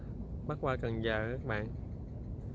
bắt cua cần giờ nước mặn